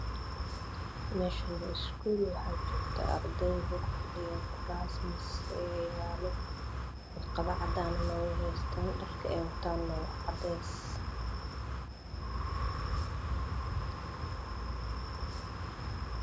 Meshan waa iskuul waxajogta arday waxey kufadhan kuras miis aya yalo warqado cadan wey hestan dharka eey watan waa cades